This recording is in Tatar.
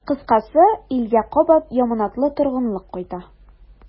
Кыскасы, илгә кабат яманатлы торгынлык кайта.